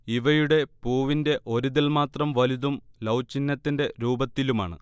ഇവയുടെ പൂവിന്റെ ഒരിതൾമാത്രം വലുതും ലൗ ചിഹ്നത്തിന്റെ രൂപത്തിലുമാണ്